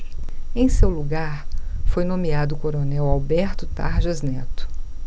em seu lugar foi nomeado o coronel alberto tarjas neto